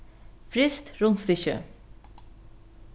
fryst rundstykki